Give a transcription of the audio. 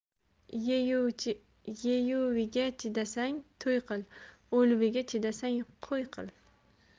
yeyuviga chidasang to'y qil o'luviga chidasang qo'y qil